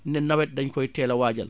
ne nawet dañ koy teel a waajal